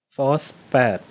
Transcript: โฟธแปด